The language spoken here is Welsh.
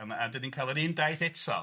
A ma' a dan ni'n cael yr un daith eto.